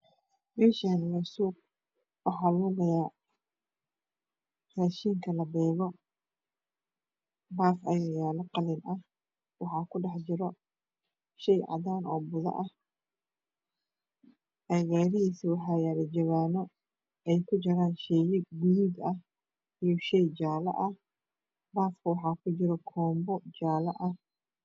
Halkan waa suuq wax yalo rashinka labego oo kalar kode yahay jale iyo gadud iyo cades iyo dahabi